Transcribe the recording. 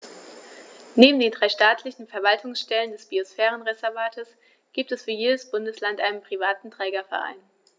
Neben den drei staatlichen Verwaltungsstellen des Biosphärenreservates gibt es für jedes Bundesland einen privaten Trägerverein.